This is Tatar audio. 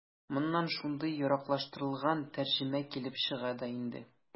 Моннан шундый яраклаштырылган тәрҗемә килеп чыга да инде.